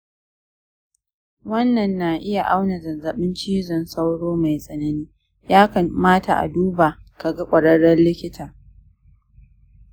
wannan na iya nuna zazzaɓin cizon sauro mai tsanani, ya kamata a duba ka ga ƙwararren likita.